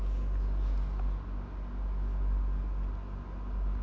эм